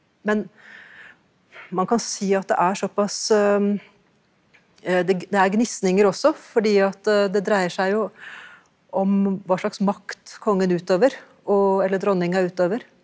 men man kan si at det er såpass det det er gnisninger også fordi at det dreier seg jo om hva slags makt kongen utøver og eller dronninga utøver.